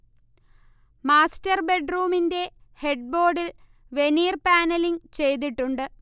master ബെഡ്റൂമിന്റെ head ബോർഡിൽ veneer panelling ചെയ്തിട്ടുണ്ട്